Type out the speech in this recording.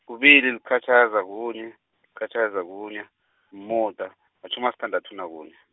kubili, liqatjhaza, kunye, liqatjhaza, kunye, umuda, matjhumi asithandathu nakune.